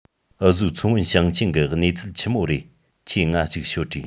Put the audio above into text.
འུ བཟོའི མཚོ སྔོན ཞིང ཆེན གི གནས ཚུལ ཆི མོ རེད ཁྱོས ངའ ཅིག ཤོད དྲེས